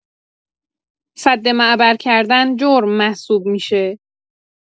سدمعبر کردن جرم محسوب می‌شه